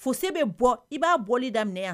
Fose bɛ bɔ i b'a bɔli daminɛ yan.